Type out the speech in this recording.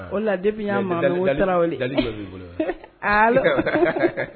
O ladi ma